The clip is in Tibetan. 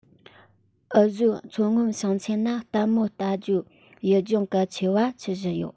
འུ བཟོའི མཚོ སྔོན ཞིང ཆེན ན ལྟད མོ ལྟ རྒྱུའོ ཡུལ ལྗོངས གལ ཆེ བ ཆི ཆི ཡོད